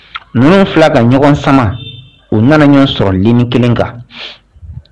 Ninnu fila ka ɲɔgɔn sama u nana ɲɔgɔn sɔrɔ liini kelen kan